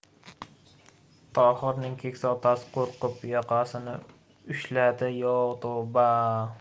tohirning keksa otasi qo'rqib yoqasini ushladi yo tavba